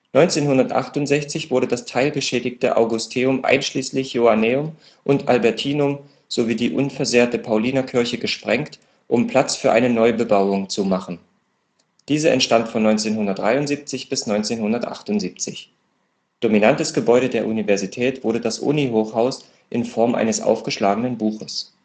1968 wurden das teilbeschädigte Augusteum einschließlich Johanneum und Albertinum sowie die unversehrte Paulinerkirche gesprengt, um Platz für eine Neubebauung zu machen. Diese entstand von 1973 bis 1978. Dominantes Gebäude der Universität wurde das Uni-Hochhaus in Form eines aufgeschlagenen Buches